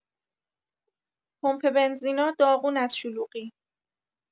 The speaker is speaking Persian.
پمپ بنزینا داغون از شلوغی